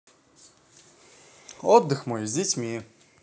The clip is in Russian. отдых мой с детьми